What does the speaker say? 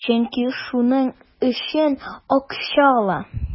Чөнки шуның өчен акча ала.